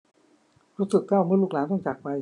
รู้สึกเศร้าเมื่อลูกหลานต้องจากไป